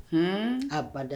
A bada